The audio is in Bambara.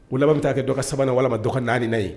O laban bɛ taa kɛ dɔ ka 3 nan walama dɔ ka 4 nan ye